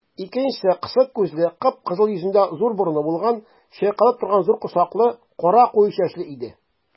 Икенчесе кысык күзле, кып-кызыл йөзендә зур борыны булган, чайкалып торган зур корсаклы, кара куе чәчле иде.